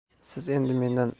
siz endi mendan